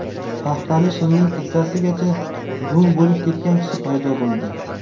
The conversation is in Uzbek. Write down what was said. paxtali shimining tizzasigacha go'ng bo'lib ketgan kishi paydo bo'ldi